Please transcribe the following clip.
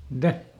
mitä